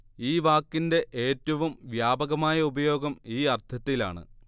ഈ വാക്കിന്റെ ഏറ്റവും വ്യാപകമായ ഉപയോഗം ഈ അർത്ഥത്തിലാണ്